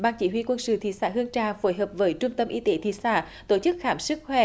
ban chỉ huy quân sự thị xã hương trà phối hợp với trung tâm y tế thị xã tổ chức khám sức khỏe